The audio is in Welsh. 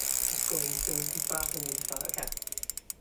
jysglazed over 'dig bach o'n ni jyst fel oce.